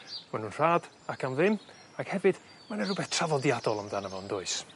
ma' nw'n rhad ac am ddim ac hefyd ma' 'na rwbeth tradodiadol amdo fo yndoes?